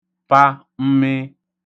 pa mmịị